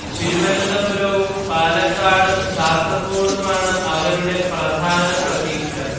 തിരുവനന്തപുരവും പാലക്കാടും കാസർകോടുമാണ് അവരുടെ പ്രധാന പ്രതീക്ഷ